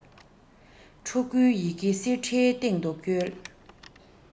ཕྲུ གུའི ཡི གེ གསེར ཁྲིའི སྟེང དུ སྐྱོལ